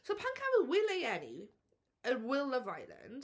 So pan cafodd Will ei eni, y Will Love Island...